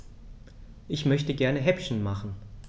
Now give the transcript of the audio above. Ich möchte gerne Häppchen machen.